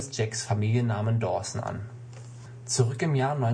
Jacks Familiennamen Dawson an. Zurück im Jahr